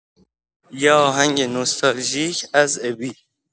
یه آهنگ نوستالژیک از ابی